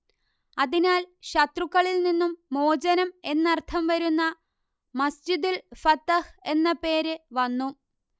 അതിനാൽ ശത്രുക്കളിൽ നിന്നും മോചനം എന്നർത്ഥം വരുന്ന മസ്ജിദുൽ ഫതഹ് എന്ന പേര് വന്നു